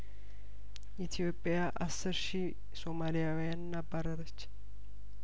ኢትዮጵያ አስር ሺ ሱማሊያውያንን አባረረች